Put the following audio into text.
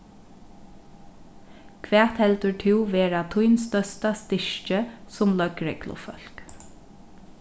hvat heldur tú vera tín størsta styrki sum løgreglufólk